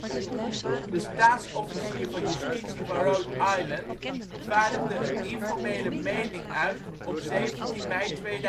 staatsofficier van Justitie van Rhode Island vaardigde een informele mening uit op 17 mei 2004